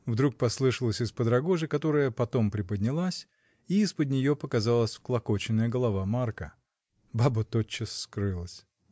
— вдруг послышалось из-под рогожи, которая потом приподнялась, и из-под нее показалась всклокоченная голова Марка. Баба тотчас скрылась.